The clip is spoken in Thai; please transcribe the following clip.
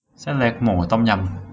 เส้นเล็กหมูต้มยำ